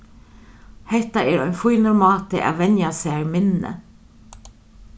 hetta er ein fínur máti at venja sær minni